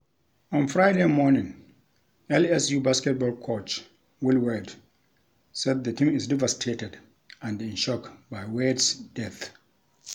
On Friday morning, LSU basketball coach Will Wade said the team is "devastated" and "in shock" by Wayde's death.